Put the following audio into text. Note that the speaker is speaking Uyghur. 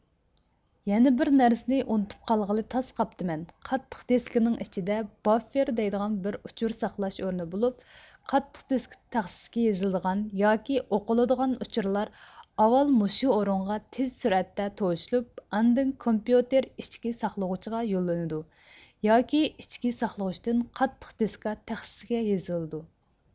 يەنە بىر نەرسىنى ئۇنتۇپ قالغىلى تاس قاپتىمەن قاتتىق دېسكىنىڭ ئىچىدە باففېر دەيدىغان بىر ئۇچۇر ساقلاش ئورنى بولۇپ قاتتىق دېسكا تەخسىىسىگە يېزىلىدىغان ياكى ئوقۇلىدىغان ئۇچۇرلار ئاۋال مۇشۇ ئورۇنغا تېز سۈرئەتتە توشۇلۇپ ئاندىن كومپىيۇتېر ئىچكى ساقلىغۇچىغا يوللىنىدۇ ياكى ئىچىكى ساقلىغۇچىتىن قاتتىق دېسكا تەخسىسىگە يېزىلىدۇ